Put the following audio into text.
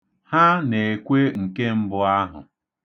Ha na-ekwe nke mbụ ahụ.